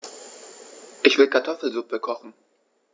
Ich will Kartoffelsuppe kochen.